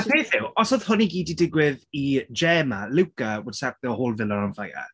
Y peth yw os oedd hwn i gyd 'di digwydd i Gemma, Luca would set the whole villa on fire.